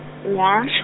nnyaa .